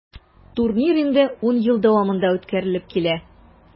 Турнир инде 10 ел дәвамында үткәрелеп килә.